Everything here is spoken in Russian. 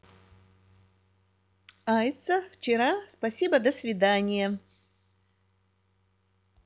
ается вчера спасибо до свидания